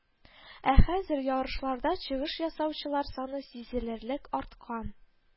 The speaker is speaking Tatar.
Ә хәзер ярышларда чыгыш ясаучылар саны сизелерлек арткан